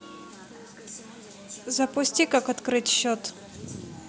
запусти как открыть счет